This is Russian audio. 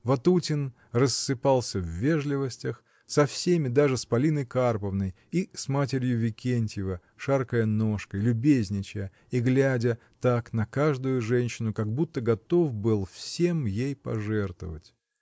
Ватутин рассыпался в вежливостях со всеми, даже с Полиной Карповной и с матерью Викентьева, шаркая ножкой, любезничая и глядя так на каждую женщину, как будто готов был всем ей пожертвовать.